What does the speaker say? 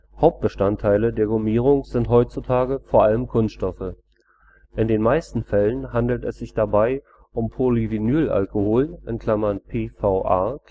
Hauptbestandteile der Gummierung sind heutzutage vor allem Kunststoffe. In den meisten Fällen handelt es sich dabei um Polyvinylalkohol (PVA